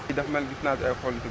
fii dafa mel ne gis naa fi ay xollitu